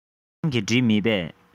ཁྱེད རང གིས བྲིས མེད པས